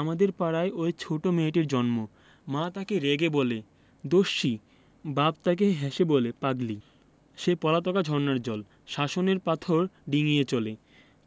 আমাদের পাড়ায় ঐ ছোট মেয়েটির জন্ম মা তাকে রেগে বলে দস্যি বাপ তাকে হেসে বলে পাগলি সে পলাতকা ঝরনার জল শাসনের পাথর ডিঙ্গিয়ে চলে